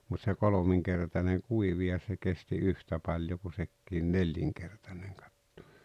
mutta se kolminkertainen kuivui ja se kesti yhtä paljon kuin sekin nelinkertainen katto